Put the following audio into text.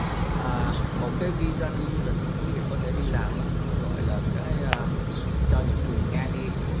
à một cái vi da đi du lịch và quý vị có thể đi làm á nó gọi là cái làm a cho những người nga ni của